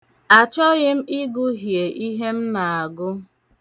Achọghị m ịgụhie ihe m na-agụ.